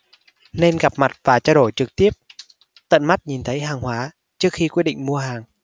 nên gặp mặt và trao đổi trực tiếp tận mắt nhìn thấy hàng hóa trước khi quyết định mua hàng